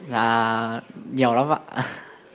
dạ nhiều lắm ạ